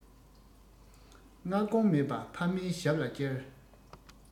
སྔ དགོང མེད པ ཕ མའི ཞབས ལ བཅར